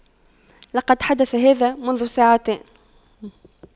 لقد حدث هذا منذ ساعتان